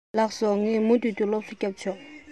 ལགས སོ ངས མུ མཐུད སློབ གསོ རྒྱབ ཆོག